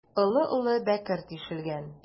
Олы-олы бәкеләр тишелгән.